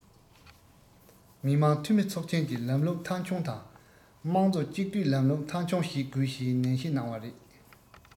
མི དམངས འཐུས མི ཚོགས ཆེན གྱི ལམ ལུགས མཐའ འཁྱོངས དང དམངས གཙོ གཅིག སྡུད ལམ ལུགས མཐའ འཁྱོངས བྱེད དགོས ཞེས ནན བཤད གནང བ རེད